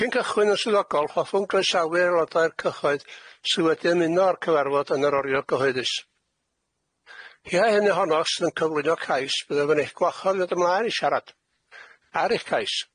Cyn cychwyn yn swyddogol hoffwn groesawu aelode'r cyhoedd sy wedi ymuno a'r cyfarfod yn yr oriau cyhoeddus. Hi- a hyn o honno sy'n cyflwyno cais mi fydd gwachodd i ddod ymlaen i siarad ar eich cais